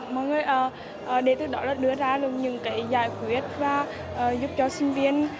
mọi người à để từ đó là đưa ra những cái giải quyết và giúp cho sinh viên